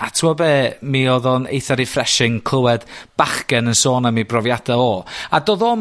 a t'mod be' mi odd o'n eitha refreshing clwed bachgen yn sôn am ei brofiadau o, a doedd o'm